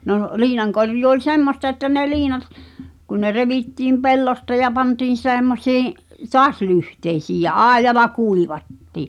no liinankorjuu oli semmoista että ne liinat kun ne revittiin pellosta ja pantiin semmoisiin taas lyhteisiin ja aidalla kuivattiin